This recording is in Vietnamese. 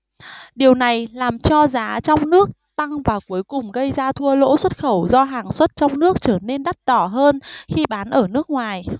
điều này làm cho giá trong nước tăng và cuối cùng gây ra thua lỗ xuất khẩu do hàng sản xuất trong nước trở nên đắt đỏ hơn khi bán ở nước ngoài